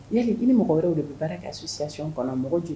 Li i ni mɔgɔ wɛrɛw de bɛ baara ka so sisi kɔnɔ mɔgɔ joli